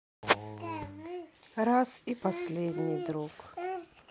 раз и последний друг